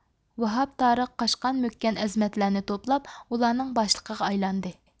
ۋاھاپ تارىخ قاچقان مۆككەن ئەزىمەتلەرنى توپلاپ ئۇلارنىڭ باشلىقىغا ئايلاندى